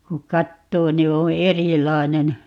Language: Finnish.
kun katsoo niin on erilainen